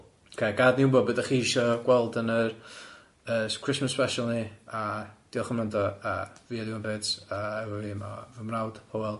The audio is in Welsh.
Ocê gad ni wbod be dach chi isio gweld yn yr yy s- Christmas special ni a diolch yn fawr am wrando a fi oedd Iwan Byts a efo fi ma fy mrawd Hywel.